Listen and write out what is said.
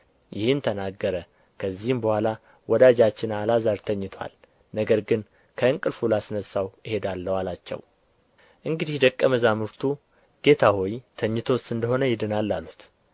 ይህን ተናገረ ከዚህም በኋላ ወዳጃችን አልዓዛር ተኝቶአል ነገር ግን ከእንቅልፉ ላስነሣው እሄዳለሁ አላቸው እንግዲህ ደቀ መዛሙርቱ ጌታ ሆይ ተኝቶስ እንደ ሆነ ይድናል አሉት